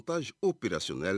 N taaz oo praurun la